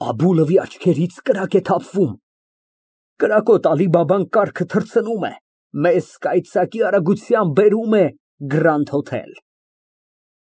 Աբուլովի աչքերից կրակ է թափվում։ Կրակոտ Ալի֊Բաբան կառքը թռցնում է, մեզ կայծակի արագությամբ բերում է Գրանդ֊հոթել։